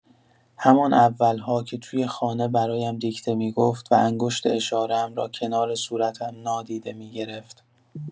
همان اول‌ها که توی خانه برایم دیکته می‌گفت و انگشت اشاره‌ام را کنار صورتم نادیده می‌گرفت.